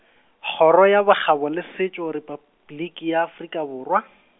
Kgoro ya Bokgabo le Setšo Repabliki ya Afrika Borwa.